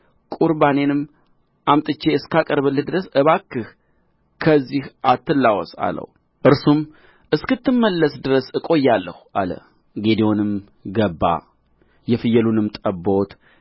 ቍርባኔንም አምጥቼ እስካቀርብልህ ድረስ እባክህ ከዚህ አትላወስ አለው እርሱም እስክትመለስ ድረስ እቆያለሁ አለ ጌዴዎን ገባ የፍየሉንም ጠቦት